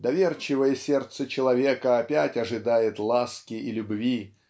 доверчивое сердце человека опять ожидает ласки и любви